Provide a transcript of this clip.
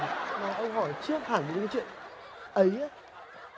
mà ông hỏi trước hẳn những cái chuyện ấy á